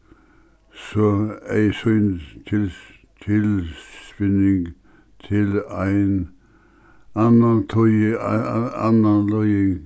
so eyðsýnd til ein annan annan líðing